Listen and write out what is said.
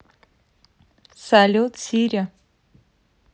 салют сири